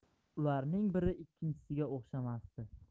ularning biri ikkinchisga o'xshamasdi